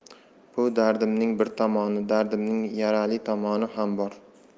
bu dardimning bir tomoni dardimning yarali tomoni ham bor